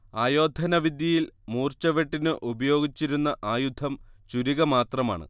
ആയോധനവിദ്യയിൽ മൂർച്ചവെട്ടിന് ഉപയോഗിച്ചിരുന്ന ആയുധം ചുരിക മാത്രമാണ്